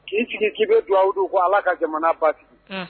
K'i sigi k'i bɛ don aw ko ala ka jamana bati